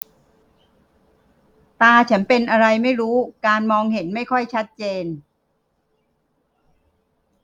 ตาฉันเป็นอะไรไม่รู้การมองเห็นไม่ค่อยชัดเจน